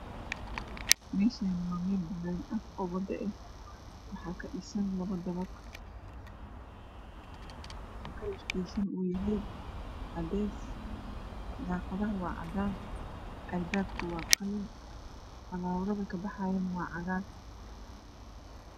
Meshan waa mel banan ah oo wado ah waxaa kudhisan labo daqda kalar kisi waa cades daqda waa cadan albabka waa qalin falawarka kabaxyo waa cagar